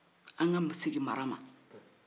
an ka sgin mara ma